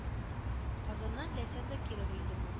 Казаннан Ләйсән Закирова иде бу